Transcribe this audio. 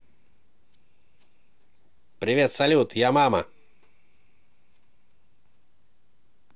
привет салют я мама